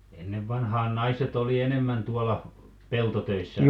ennen vanhaan naiset oli enemmän tuolla peltotöissä